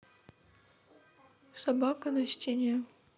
собака на сене